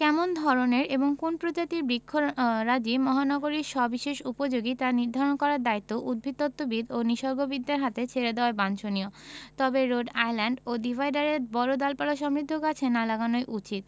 কেমন ধরনের এবং কোন্ প্রজাতির বৃক্ষরাজি মহানগরীর সবিশেষ উপযোগী তা নির্ধারণ করার দায়িত্ব উদ্ভিদতত্ত্ববিদ ও নিসর্গবিদদের হাতে ছেড়ে দেয়াই বাঞ্ছনীয় তবে রোড আইল্যান্ড ও ডিভাইডারে বড় ডালপালাসমৃদ্ধ গাছ না লাগানোই উচিত